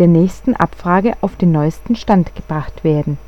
nächsten Abfrage auf den neuesten Stand gebracht werden